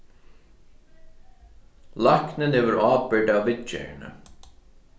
læknin hevur ábyrgd av viðgerðini